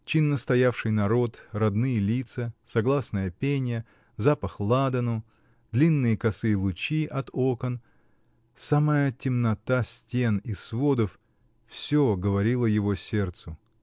Чинно стоявший народ, родные лица, согласное пение, запах ладану, длинные косые лучи от окон, самая темнота стен и сводов -- все говорило его сердцу.